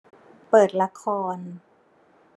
เปิดละคร